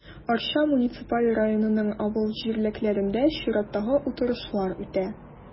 Арча муниципаль районының авыл җирлекләрендә чираттагы утырышлар үтә.